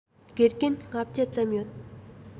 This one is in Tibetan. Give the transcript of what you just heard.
དགེ རྒན ལྔ བརྒྱ ཙམ ཡོད